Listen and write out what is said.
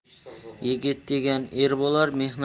yigit degan er bo'lar